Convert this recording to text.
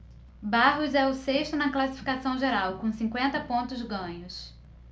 barros é o sexto na classificação geral com cinquenta pontos ganhos